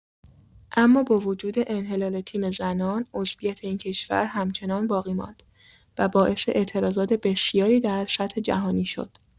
اما با وجود انحلال تیم زنان، عضویت این کشور همچنان باقی ماند و باعث اعتراضات بسیاری در سطح جهانی شد.